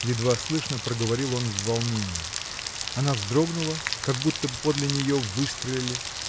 – едва слышно проговорил он в волнении. Она вздрогнула как будто подле нее выстрелили